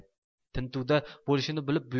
tintuv bo'lishini bilib